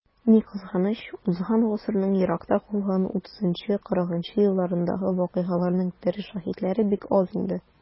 Ни кызганыч, узган гасырның еракта калган 30-40 нчы елларындагы вакыйгаларның тере шаһитлары бик аз инде.